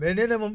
mais nee na moom